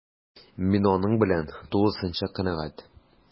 Мин аның белән тулысынча канәгать: